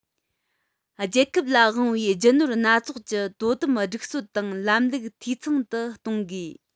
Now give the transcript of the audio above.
རྒྱལ ཁབ ལ དབང བའི རྒྱུ ནོར སྣ ཚོགས ཀྱི དོ དམ སྒྲིག སྲོལ དང ལམ ལུགས འཐུས ཚང དུ གཏོང དགོས